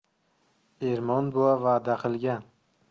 ermon buva vada qilgan